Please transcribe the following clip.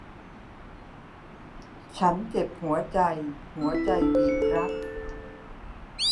ฉันเจ็บหัวใจหัวใจบีบรัด